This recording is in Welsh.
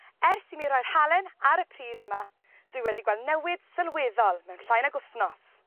Ers i mi rhoi'r halen ar y pridd yma dwi wedi gweld newid sylweddol mewn llai nag wthnos.